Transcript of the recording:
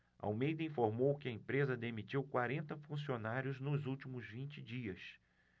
almeida informou que a empresa demitiu quarenta funcionários nos últimos vinte dias